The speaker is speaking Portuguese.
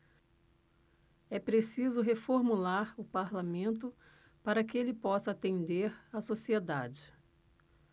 é preciso reformular o parlamento para que ele possa atender a sociedade